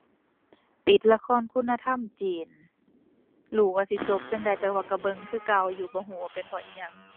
ติดละครคุณธรรมจีนรู้ว่าสิจบจั่งใดแต่ว่าก็เบิ่งคือเก่าอยู่บ่ก็ว่าเป็นเพราะอิหยัง